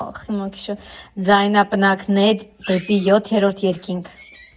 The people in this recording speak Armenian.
Ձայնապնակներ դեպի յոթերորդ երկինք։